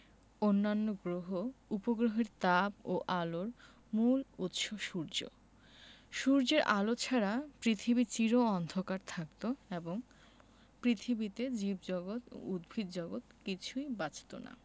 অন্যান্য গ্রহ উপগ্রহের তাপ ও আলোর মূল উৎস সূর্য সূর্যের আলো ছাড়া পৃথিবী চির অন্ধকার থাকত এবং পৃথিবীতে জীবজগত ও উদ্ভিদজগৎ কিছুই বাঁচত না